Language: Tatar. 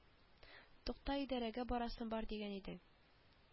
Тукта идарәгә барасым бар дигән идең